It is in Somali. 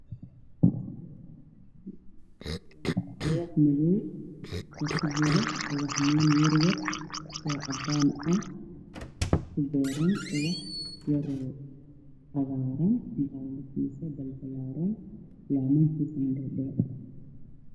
Waa qol waxaa yaal sakaal waxaa ka baxaya ubax cagaaran